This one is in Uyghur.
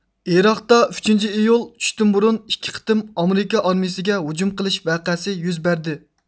ئىراقتا ئۈچىنچى ئىيۇل چۈشتىن بۇرۇن ئىككى قېتىم ئامېرىكا ئارمىيىسىگە ھۇجۇم قىلىش ۋەقەسى يۈز بەردى